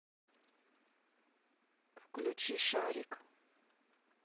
включи шарик